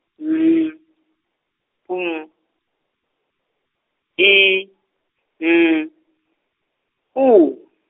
M P I M U.